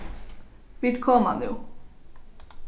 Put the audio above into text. vit koma nú